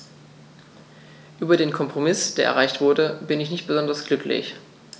Über den Kompromiss, der erreicht wurde, bin ich nicht besonders glücklich.